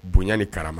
Bonya ni karama